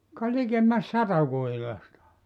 ka likemmäs sata kuhilasta